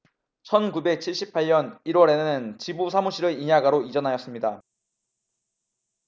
천 구백 칠십 팔 년 일 월에는 지부 사무실을 인야 가로 이전하였습니다